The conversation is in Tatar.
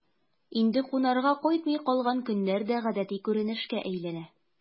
Инде кунарга кайтмый калган көннәр дә гадәти күренешкә әйләнә...